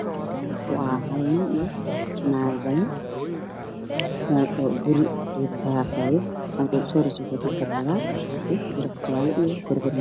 Waa hal nin jannaaga badan nacagaha waxay xaaqayaan guriga hortiisa ugu soo horreyso maxay wadataa dirac madow ah iyo go caddaan ah